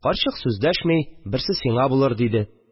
Карчык сүз дәшми. Берсе сиңа булыр», – диде